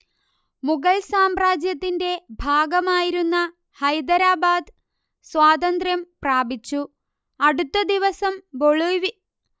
മുഗള് സാമ്രാജ്യത്തിന്റെ ഭാഗമായിരുന്ന ഹൈദരാബാദ് സ്വാതന്ത്ര്യം പ്രാപിച്ചു അടുത്തദിവസം ബോളിവിയ